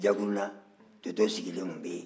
jakuruna toto sigilen tun bɛ ye